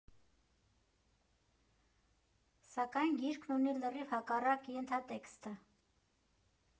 Սակայն գիրքն ունի լրիվ հակառակ ենթատեքստը։